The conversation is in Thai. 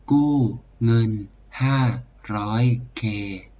กู้เงินห้าร้อยเค